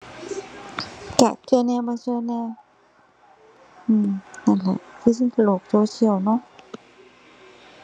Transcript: ก็ก็แหน่บ่ก็แหน่ อือ นั่นแหละ คือมันเป็นโลกโซเชียลเนาะ